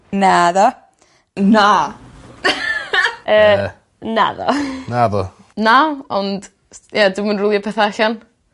Naddo. Na. Yy. Naddo. Naddo. Na onds- ie dwi'm yn rwlio petha allan.